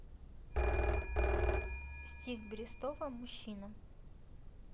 стих берестова мужчина